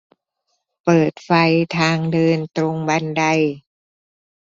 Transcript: เปิดไฟทางเดินตรงบันได